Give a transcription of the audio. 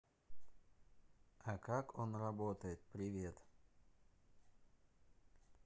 а как он работает привет